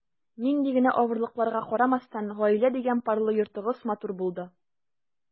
Нинди генә авырлыкларга карамастан, “гаилә” дигән парлы йортыгыз матур булды.